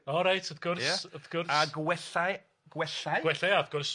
O reit wrth gwrs... Ia. ...wrth gwrs. A gwellau gwellau? Gwellau ia wrth gwrs.